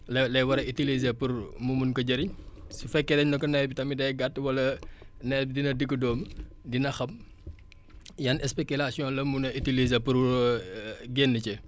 lay lay war a utiliser pour mu mun ko jëriñ su fekkee dañ ne ko nawet bi tamit day gàtt wala nawet bi dina digg dóomu dina xam yan spéculations la mun a utiliser pour génn ci